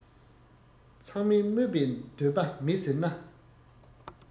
ཚང མས སྨོད པའི འདོད པ མེད ཟེར ན